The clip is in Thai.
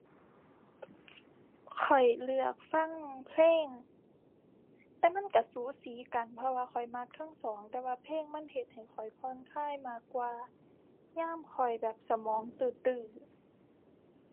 ข้อยเลือกฟังเพลง แต่มันก็สูสีกันเพราะว่าข้อยมักทั้งสอง แต่ว่าเพลงมันเฮ็ดให้ข้อยผ่อนคลายมากกว่า ยามข้อยแบบสมองตื้อตื้อ